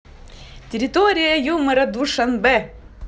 территория юмора душанбе